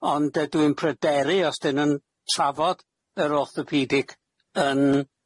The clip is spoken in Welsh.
ond yy dwi'n pryderu os 'dyn nw'n trafod yr orthopedic yn